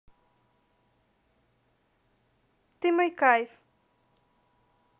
ты мой кайф